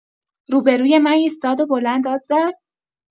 روبروی من ایستاد و بلند داد زد.